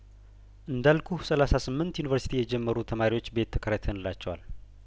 እንዳል ኩህ ሰላሳ ስምንት ዩኒቨርሲቲ የጀመሩ ተማሪዎች ቤት ተከራይተንላቸዋል